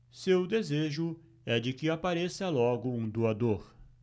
seu desejo é de que apareça logo um doador